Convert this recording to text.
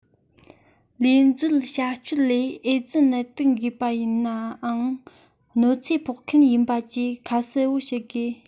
ལས འཛོལ བྱ སྤྱོད ལས ཨེ ཙི ནད དུག འགོས པ ཡིན ནའང གནོད འཚེ ཕོག མཁན ཡིན པ བཅས ཁ གསལ བོ བྱེད དགོས